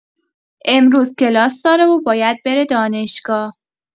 امروز کلاس داره و باید بره دانشگاه.